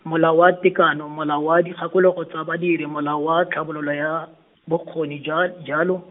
Molao wa Tekano Molao wa Dikgakologo tsa Badiri Molao wa Tlhabololo ya, Bokgoni ja jalo.